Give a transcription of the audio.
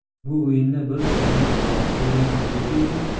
bu o'yinda bir shumlik bor ko'rinadi dedi u